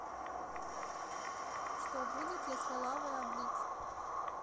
что будет если лавой облить